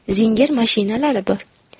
zinger mashinalari bor